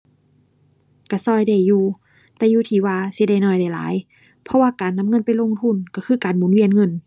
ก็ก็ได้อยู่ แต่อยู่ที่ว่าสิได้น้อยได้หลาย เพราะว่าการนำเงินไปลงทุนก็คือการหมุนเวียนเงิน